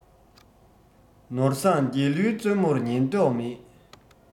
ནོར བཟང རྒྱ ལུའི བཙུན མོར ཉན མདོག མེད